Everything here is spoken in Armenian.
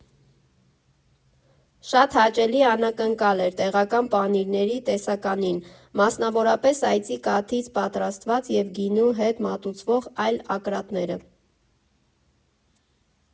Շատ հաճելի անակնկալ էր տեղական պանիրների տեսականին՝ մասնավորապես այծի կաթից պատրաստված և գինու հետ մատուցվող այլ ակրատները։